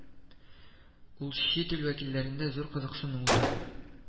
Ул чит ил вәкилләрендә зур кызыксыну ута